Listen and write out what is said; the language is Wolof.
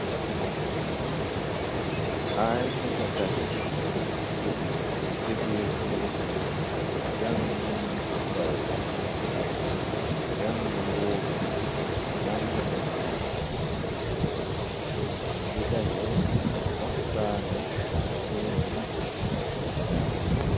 Aay nita daje ñu jëgeeko ci jàngun bu kawe bi. Jànga woowujàngon nasaraan la ñu ngi daje pur waxtaane seeni jànga.